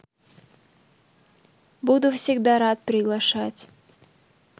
буду всегда рад приглашать